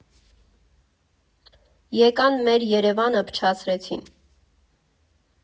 Եկան, մեր Երևանը փչացրեցին։